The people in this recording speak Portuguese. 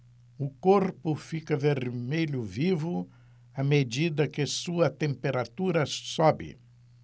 o corpo fica vermelho vivo à medida que sua temperatura sobe